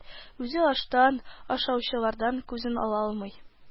Үзе аштан, ашаучылардан күзен ала алмый